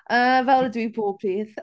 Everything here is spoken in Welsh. yy fel ydw i pob dydd.